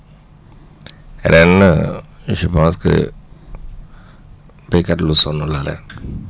ren je pense que béykat lu sonn la ren